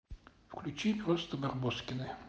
включи просто барбоскины